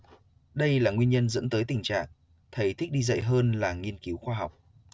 đây là nguyên nhân dẫn tới tình trạng thầy thích đi dạy hơn là nghiên cứu khoa học